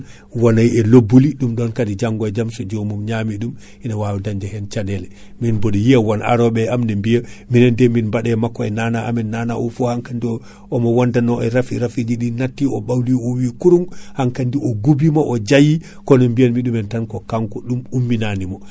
wona e lobbuli ɗum kaadi jango e jaam so jomum ñami tan ɗum ina wawa dañde hen caɗele min biɗa yiya won aroɓe e am ne biya minen de min baɗe makko e nana amen nana o foof hankkandi o omo wondanno e rafi rafiji ɗi natti o ɓawli o wi kurum hankkandi o gubima o jaayi kono biyatmi ɗumen tan ko kanko ɗum ummina nimo